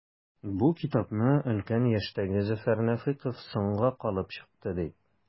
Бу китапны өлкән яшьтәге Зөфәр Нәфыйков “соңга калып” чыкты, ди.